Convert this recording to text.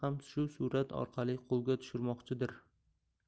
ham shu surat orqali qo'lga tushirmoqchidir